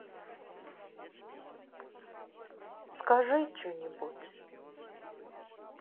скажи че нибудь